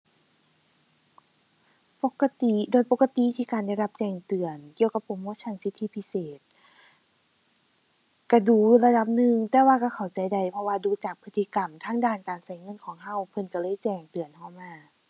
ปกติ โดยปกติที่การได้รับแจ้งเตือนเกี่ยวกับโปรโมชันสิทธิพิเศษ ก็ดู๋ระดับหนึ่ง แต่ว่าก็เข้าใจได้ เพราะว่าดูจากพฤติกรรมทางด้านการก็เงินของก็ เพิ่นก็เลยแจ้งเตือนก็มา ⁠